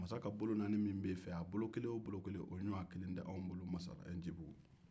masa ka bolonaani min bɛ e fɛ yen o bolo kelen o bolo kelen o ɲɔgɔn kelen tɛ anw bolo masa ɛɛ ncibugu